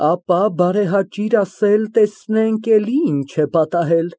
Ապա, բարեհաճիր ասել, տեսնենք, էլի ի՞նչ է պատահել։